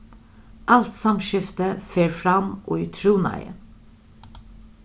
alt samskifti fer fram í trúnaði